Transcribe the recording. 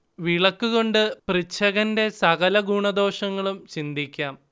വിളക്കു കൊണ്ട് പൃച്ഛകന്റെ സകല ഗുണദോഷങ്ങളും ചിന്തിക്കാം